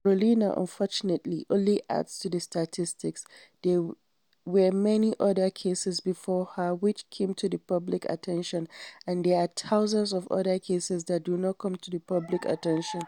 Carolina, unfortunately, only adds to the statistics, there were many other cases before her which came to public attention and there are thousands of other cases that do not come to public attention.